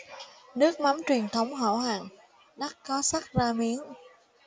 nước mắm truyền thống hảo hạng đắt có xắt ra miếng